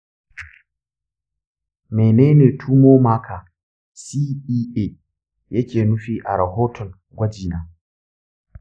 menene tumor marker cea yake nufi a rahoton gwajina?